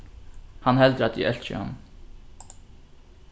hann heldur at eg elski hann